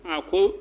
A ko